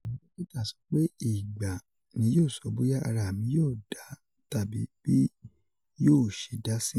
Awọn Dọkita sọ pe igba ni yoo sọ boya ara mi yoo da tabi bi yooṣe da si.